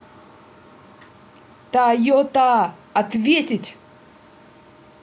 тойота ответить